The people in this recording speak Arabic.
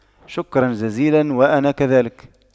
شكرا جزيلا وأنا كذلك